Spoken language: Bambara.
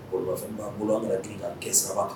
Bolo an ten ka kɛ saba kan